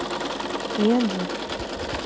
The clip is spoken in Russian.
нет же